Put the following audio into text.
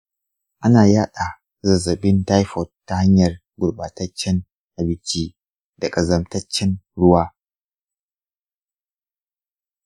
ana yaɗa zazzabin taifot ta hanyar gurbataccen abinci da ƙazamtaccen ruwa.